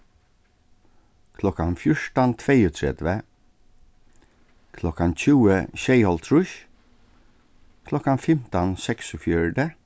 klokkan fjúrtan tveyogtretivu klokkan tjúgu sjeyoghálvtrýss klokkan fimtan seksogfjøruti